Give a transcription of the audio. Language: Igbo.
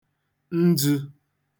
ndzụ̄